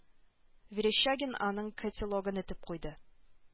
Верещагин аның котелогын этеп куйды